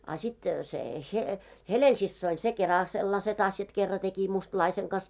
a sitten se - Helena-siskoni se keralla sellaiset asiat kerran teki mustalaisen kanssa